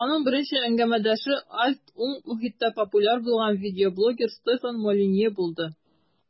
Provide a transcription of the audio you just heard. Аның беренче әңгәмәдәше "альт-уң" мохиттә популяр булган видеоблогер Стефан Молинье булды.